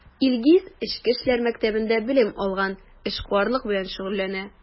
Илгиз Эчке эшләр мәктәбендә белем алган, эшкуарлык белән шөгыльләнә.